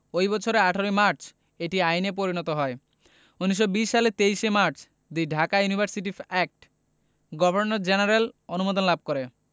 ওই বছর ১৮ মার্চ এটি আইনে পরিণত হয় ১৯২০ সালের ২৩ March the Dhaka university act governor জেনারেলের অনুমোদন লাভ করে